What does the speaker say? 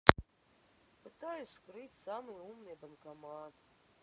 пытаюсь вскрыть самый умный банкомат